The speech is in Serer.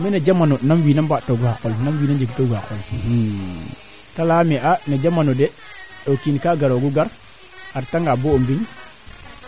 bo fiya noona daal andaame ka moƴna xaand no qol jegee o ndeeta ngaan mayu na njirño ran yaam kaa xaand yaam o fudele naa ndoma de utiliser kaana o xaandelo laaga koy tena fiya no laŋ ke